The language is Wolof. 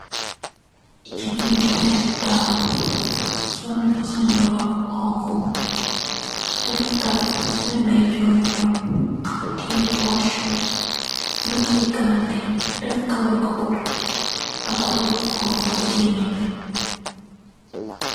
Jigéen ju hèss ju tahaw, sol mbasin nu robb bu honku deff taaf ci ndejor re ron, tè porse, makiyè kanam bi gi, deff kawar bu guddu ak rug bi honkha ci gëmènam bi.